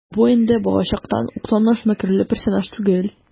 Бу инде балачактан ук таныш мәкерле персонаж түгел.